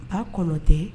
Taa kɔnɔ tɛ